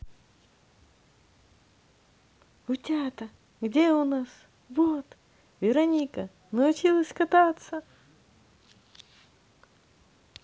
утята где у нас вот вероника научилась какаться